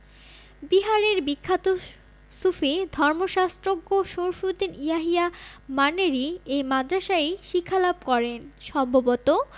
বিহারের বিখ্যাত সুফি ধর্মশাস্ত্রজ্ঞ শরফুদ্দীন ইয়াহিয়া মানেরী এই মাদ্রাসায়ই শিক্ষালাভ করেন সম্ভবত